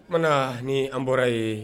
O n na ni an bɔra ye